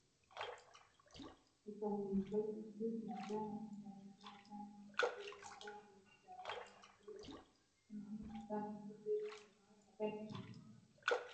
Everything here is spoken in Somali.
Waa oday wato cimaamad iyo koofi